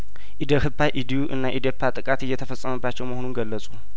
ኢዴህፓ ኢዲዩ እና ኢዴፓ ጥቃት እየተፈጸመባቸው መሆኑን ገለጡ